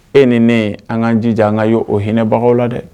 E ni ne an kaan jija an ka y' o hinɛbagaw la dɛ